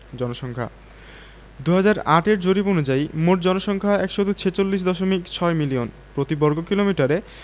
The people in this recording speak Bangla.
জনসংখ্যাঃ ২০০৮ এর জরিপ অনুযায়ী মোট জনসংখ্যা ১৪৬দশমিক ৬ মিলিয়ন প্রতি বর্গ কিলোমিটারে